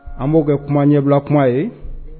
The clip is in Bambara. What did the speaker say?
An b'o kɛ kuma ɲɛbila kuma ye